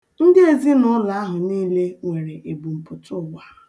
Ndị ezinụụḷọ ahụ niile nwere ebumpụtụụwa.